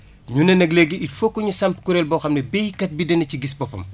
ñu ne nag léegi il faut que ñu samp kuréel goo xam ne béykat bi dana ci gis boppam